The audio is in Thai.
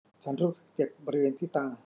ฉันรู้สึกเจ็บบริเวณที่ตา